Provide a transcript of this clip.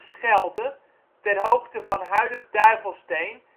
Schelde (ter hoogte van huidig Duivelsteen